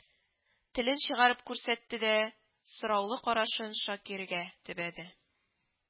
Телен чыгарып күрсәтте дә сораулы карашын Шакиргә төбәде